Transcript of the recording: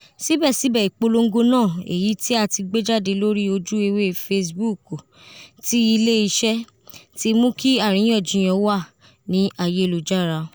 Sibẹsibẹ, ipolongo naa, eyi ti a ti gbejade lori oju ewe Facebook ti ile-iṣẹ, ti mu ki ariyanjiyan wa ni ayelujara.